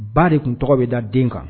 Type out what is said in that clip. Ba de tun tɔgɔ bɛ da den kan